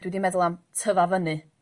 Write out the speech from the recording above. dwi 'di meddwl am tyfa fyny.